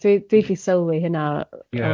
Dwi dwi di sylwi hynna... Ie.